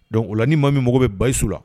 Don o la ni maa min mɔgɔ bɛ basi su la